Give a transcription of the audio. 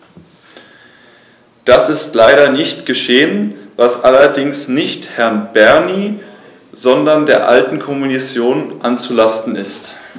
Das ist leider nicht geschehen, was allerdings nicht Herrn Bernie, sondern der alten Kommission anzulasten ist.